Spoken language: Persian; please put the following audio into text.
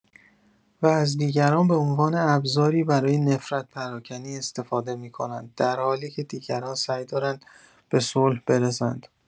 و از دیگران به عنوان ابزاری برای نفرت پراکنی استفاده می‌کند درحالی که دیگران سعی دارند به صلح برسند.